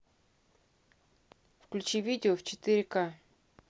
включи видео в четыре ка